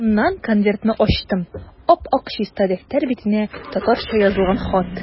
Шуннан конвертны ачтым, ап-ак чиста дәфтәр битенә татарча язылган хат.